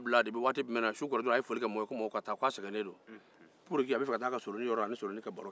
su kora dɔrɔn a ye mɔgɔ labila k'a sɛgɛnnen don